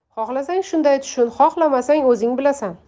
xohlasang shunday tushun xohlamasang o'zing bilasan